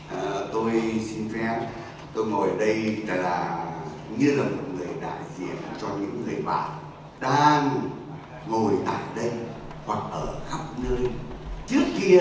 tôi xin phép tôi ngồi ở đây rằng là như là một người đại diện cho những người bạn đang ngồi tại đây hoặc ở khắp nơi trước kia